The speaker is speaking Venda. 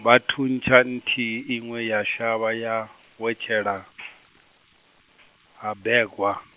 vha thuntsha nthihi inwi ya shavha ya, wetshela , Ha Begwa.